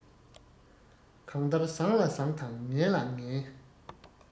གང ལྟར བཟང ལ བཟང དང ངན ལ ངན